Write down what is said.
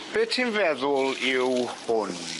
Be' ti'n feddwl yw hwn?